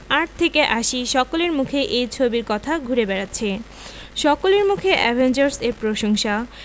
আট থেকে আশি সকলের মুখেই এই ছবির কথা ঘুরে বেড়াচ্ছে সকলের মুখে অ্যাভেঞ্জার্স এর প্রশংসা